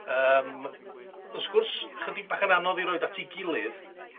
Yym, wrth gwrs, chydig bach yn anodd i roid at 'i gilydd,